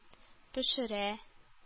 Пешерә